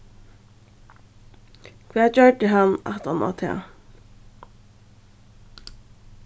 hvat gjørdi hann aftan á tað